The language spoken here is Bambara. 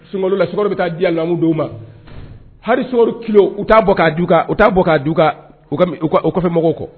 Suŋalo la sukoro bɛ taa di alimami dɔw ma hari sukoro kilo u t'a bɔ k'a du kaa u t'a bɔ k'a du kaa u ka mi u ka u kɔfɛ mɔgɔw kɔ